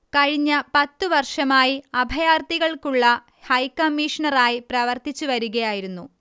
കഴിഞ്ഞ പത്തുവർഷമായി അഭയാർഥികൾക്കുളള ഹൈക്കമ്മീഷണറായി പ്രവർത്തിച്ച് വരികയായിരുന്നു